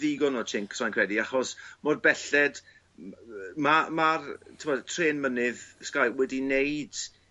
ddigon o chink soi'n credu achos mor nelled m- ma'r ma'r t'wbod trên mynydd Sky wedi neud